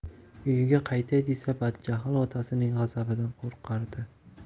uyiga qaytay desa badjahl otasining g'azabidan qo'rqardi